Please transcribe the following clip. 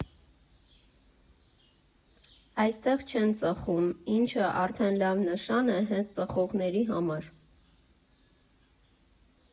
Այստեղ չեն ծխում, ինչը արդեն լավ նշան է հենց ծխողների համար։